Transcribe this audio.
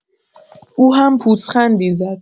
او هم پوزخندی زد.